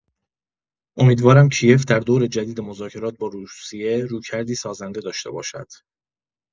امیدوارم کی‌یف در دور جدید مذاکرات با روسیه رویکردی سازنده داشته باشد.